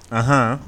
Unhɔn